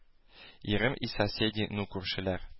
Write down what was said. Ирем и соседи ну күршеляр